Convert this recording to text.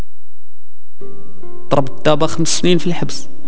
طب طب خمس سنين في الحبس